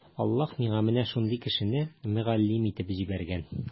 Аллаһы миңа менә шундый кешене мөгаллим итеп җибәргән.